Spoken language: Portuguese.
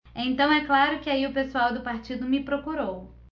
então é claro que aí o pessoal do partido me procurou